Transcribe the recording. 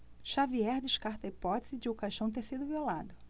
xavier descarta a hipótese de o caixão ter sido violado